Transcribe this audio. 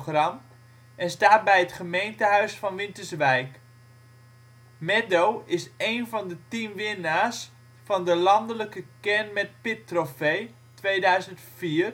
ruim 43.000 kg en staat bij het gemeentehuis van Winterswijk. Meddo is één van de 10 winnaars van de landelijke KERN met PIT Trofee 2004, met een